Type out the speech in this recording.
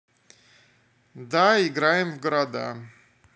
да играем в города